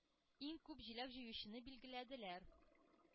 Иң күп җиләк җыючыны билгеләделәр.